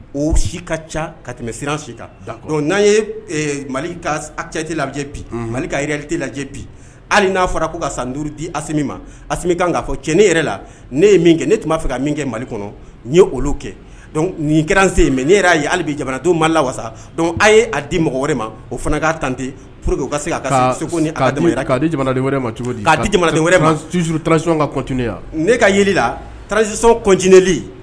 O si ka ca ka tɛmɛ siran si n'an ye mali ka a tɛ bi mali ka tɛ lajɛ bi hali n'a fɔra ko ka san duuruuru di ma kan' fɔ ti ne yɛrɛ la ne ye kɛ ne tun b'a fɛ ka min kɛ mali kɔnɔ n ye olu kɛ nin kɛra sen mɛ ne yɛrɛ'a ye hali jamana don mali la wa a ye a di mɔgɔ wɛrɛ ma o fana k'a tanteur ka se' segu nia di jamana wɛrɛ ma cogo di masiɔn kate ne kalazsisɔnɔnɔntli